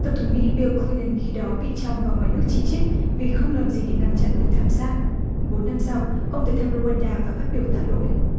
tổng thống mỹ biu co lừn khi đó bị trong và ngoài nước trì trích vì không làm gì để ngăn chặn vụ thảm sát bốn năm sau ông tới thăm u oan đa và phát biểu tạ lỗi